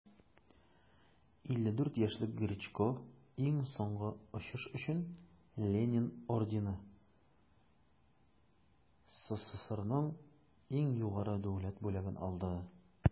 54 яшьлек гречко иң соңгы очыш өчен ленин ордены - сссрның иң югары дәүләт бүләген алды.